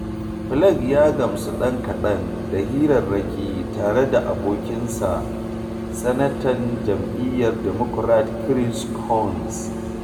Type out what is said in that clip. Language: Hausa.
Flake ya gamsu ɗan kaɗan da hirarraki tare da abokinsa, Sanatan jam’iyyar Democrat Chris Coons.